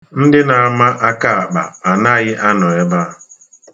Ndị na-ama akaakpa anaghị anọ ebe a.